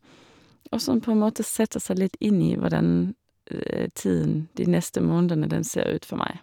Og sånn på en måte sette seg litt inn i hvordan tiden de neste månedene den ser ut for meg.